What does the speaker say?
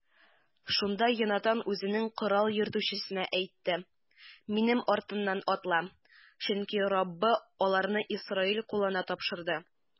Шунда Йонатан үзенең корал йөртүчесенә әйтте: минем арттан атла, чөнки Раббы аларны Исраил кулына тапшырды.